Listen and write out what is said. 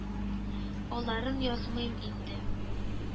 Аларын язмыйм инде